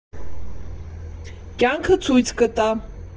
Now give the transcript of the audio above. Կյանքը ցույց կտա։